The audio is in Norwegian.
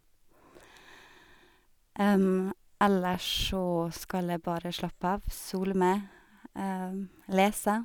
Ellers så skal jeg bare slappe av, sole meg, lese.